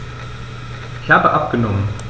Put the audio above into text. Ich habe abgenommen.